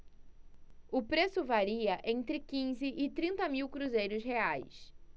o preço varia entre quinze e trinta mil cruzeiros reais